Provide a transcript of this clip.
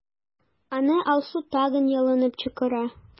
Аны Алсу тагын ялынып чакыра.